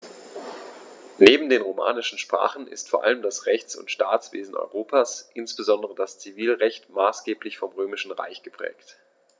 Neben den romanischen Sprachen ist vor allem das Rechts- und Staatswesen Europas, insbesondere das Zivilrecht, maßgeblich vom Römischen Recht geprägt.